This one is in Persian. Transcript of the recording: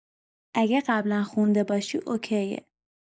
اگه قبلا خونده باشی اوکیه